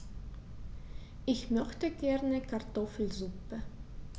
Ich möchte gerne Kartoffelsuppe.